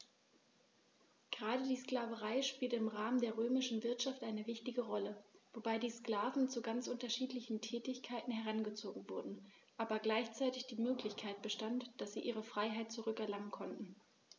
Gerade die Sklaverei spielte im Rahmen der römischen Wirtschaft eine wichtige Rolle, wobei die Sklaven zu ganz unterschiedlichen Tätigkeiten herangezogen wurden, aber gleichzeitig die Möglichkeit bestand, dass sie ihre Freiheit zurück erlangen konnten.